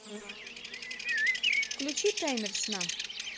выключи таймер сна